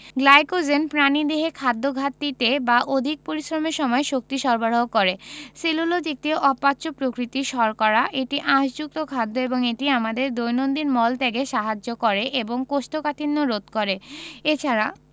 glycogen প্রাণীদেহে খাদ্যঘাটতিতে বা অধিক পরিশ্রমের সময় শক্তি সরবরাহ করে সেলুলোজ একটি অপাচ্য প্রকৃতির শর্করা এটি আঁশযুক্ত খাদ্য এবং এটি আমাদের দৈনন্দিন মল ত্যাগে সাহায্য করে এবং কোষ্ঠকাঠিন্য রোধ করে এছাড়া